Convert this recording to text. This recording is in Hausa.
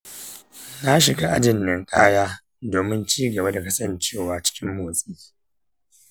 na shiga ajin ninkaya domin ci gaba da kasancewa cikin motsi.